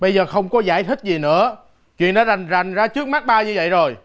bây giờ không có giải thích gì nữa chuyện nó rành rành ra trước mắt ba như vậy rồi